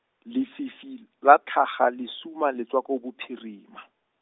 lefifi l-, la tlhaga le suma le tswa ko bophirima.